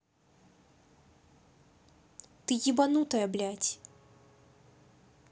ты ебанутая блядь